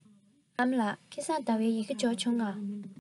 ཨ མ ལགས སྐལ བཟང ཟླ བའི ཡི གེ འབྱོར བྱུང ངམ